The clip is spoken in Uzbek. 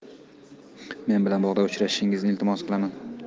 men bilan bog'da uchrashingizni iltimos qilaman